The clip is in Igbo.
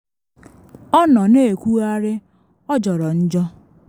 Ọ nọ na ekwugharị “ọ jọrọ njọ’.